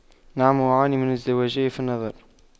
نعم أعاني من ازدواجية في النظر